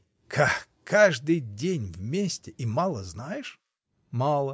— Как, каждый день вместе и мало знаешь?. — Мало.